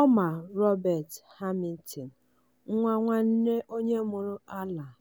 Omar Robert Hamilton, nwa nwanne onye mụrụ Alaa,